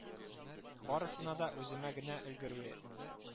Барысына да үземә генә өлгерүе